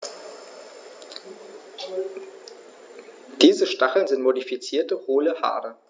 Diese Stacheln sind modifizierte, hohle Haare.